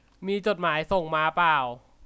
มีจดหมายส่งมาป่าว